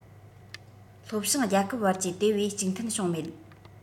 ལྷོ བྱང རྒྱལ ཁབ བར གྱི དེ བས གཅིག མཐུན བྱུང མེད